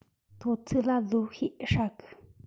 དོ ཚིགས ལ ལོ ཤེད ཨེ ཧྲ གི